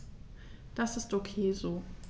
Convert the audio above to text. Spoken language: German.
Das ist ok so.